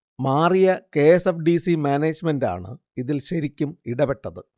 മാറിയ K. S. F. D. C. മാനേജ്മെന്റാണു ഇതിൽ ശരിക്കും ഇടപെട്ടത്